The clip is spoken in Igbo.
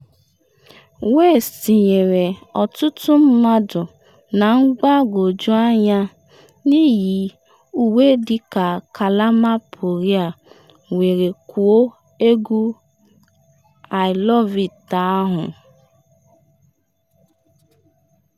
West tinyere ọtụtụ mmadụ na mgbagwoju anya n’iyi uwe dịka Kalama Perrier were kụọ egwu I Love it ahụ.